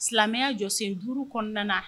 Silamɛya jɔsen 5 kɔnɔna na